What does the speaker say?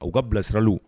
U ka bilasiraliw